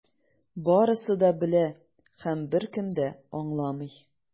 Барысы да белә - һәм беркем дә аңламый.